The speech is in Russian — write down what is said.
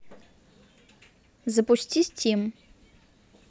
запусти стим